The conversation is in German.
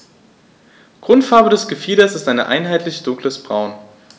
Grundfarbe des Gefieders ist ein einheitliches dunkles Braun.